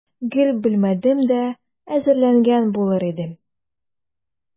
Гел белмәдем дә, әзерләнгән булыр идем.